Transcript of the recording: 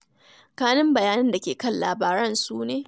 Kanun bayanan da ke kan labarin su ne